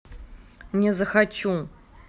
не захочу